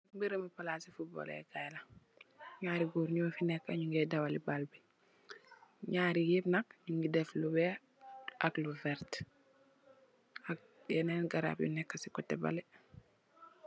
Mbèreèm palaas su football lèkaay la, naari gòor nyo fi nekka nu ngè dawal li bal bi. Naari yëp nak, nung def lu weeh ak lu vert ak yenen garab yu nekka ci kotè balè.